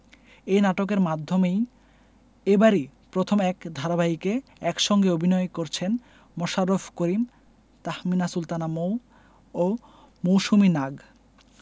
এ নাটকের মাধ্যমেই এবারই প্রথম এক ধারাবাহিকে একসঙ্গে অভিনয় করছেন মোশাররফ করিম তাহমিনা সুলতানা মৌ ও মৌসুমী নাগ